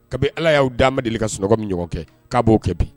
Kabi ala y'aw d' ma deli ka sunɔgɔmi ɲɔgɔn kɛ k'a b'o kɛ bi